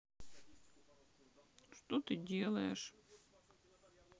что ты делаешь